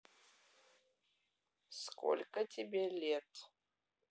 сколько тебе лет